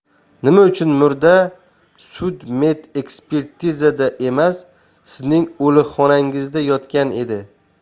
nima uchun murda sudmedekspertizada emas sizning o'likxonangizda yotgan edi